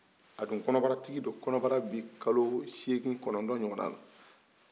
a dun kɔnɔbaratigi kɔnɔbara b'i kalo segin kɔnɔntɔn ɲɔgɔn na